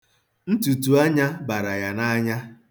Ntụ̀tụ̀anya bara ya n'anya.